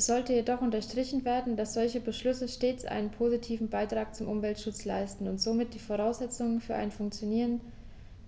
Es sollte jedoch unterstrichen werden, dass solche Beschlüsse stets einen positiven Beitrag zum Umweltschutz leisten und somit die Voraussetzungen für ein Funktionieren